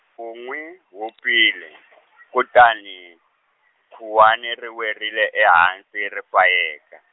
u n'wi, hupile , kutani, khuwani ri werile ehansi ri fayeka.